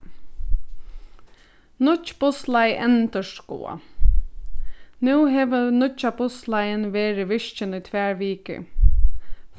nýggj bussleið endurskoðað nú hevur nýggja bussleiðin verið virkin í tvær vikur